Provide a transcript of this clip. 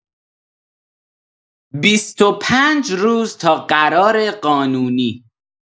۲۵ روز تا قرار قانونی